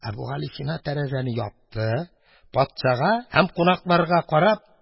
Әбүгалисина тәрәзәне япты, патшага һәм кунакларга карап: